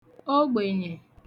ogbènyè